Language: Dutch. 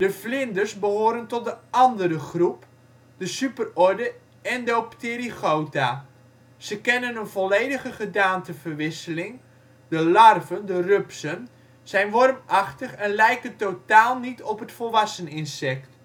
vlinders behoren tot de andere groep; de superorde Endopterygota. Ze kennen een volledige gedaanteverwisseling, de larven (rupsen) zijn wormachtig en lijken totaal niet op het volwassen insect